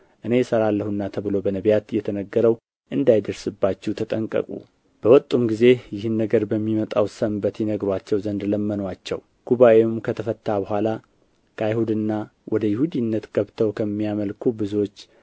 እኔ እሠራለሁና ተብሎ በነቢያት የተነገረው እንዳይደርስባችሁ ተጠንቀቁ በወጡም ጊዜ ይህን ነገር በሚመጣው ሰንበት ይነግሩአቸው ዘንድ ለመኑአቸው ጉባኤውም ከተፈታ በኋላ ከአይሁድና ወደ ይሁዲነት ገብተው ከሚያመልኩ ብዙዎች